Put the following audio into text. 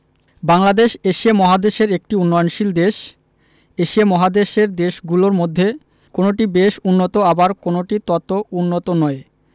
Bangladesh Asia মহাদেশের একটি উন্নয়নশীল দেশ এশিয়া মহাদেশের দেশগুলোর মধ্যে কোনটি বেশ উন্নত আবার কোনো কোনোটি তত উন্নত নয়